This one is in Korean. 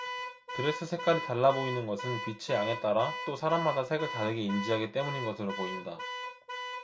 드레스 색깔이 달라 보이는 것은 빛의 양에 따라 또 사람마다 색을 다르게 인지하기 때문인 것으로 보인다